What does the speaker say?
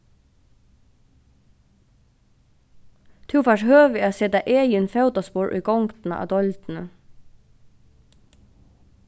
tú fært høvi at seta egin fótaspor í gongdina á deildini